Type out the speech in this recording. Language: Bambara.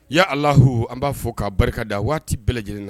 Yq Alahu an ba fo ka barika da waati bɛɛ lajɛlen na.